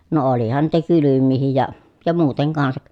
no olihan niitä kylmiäkin ja ja muuten kanssa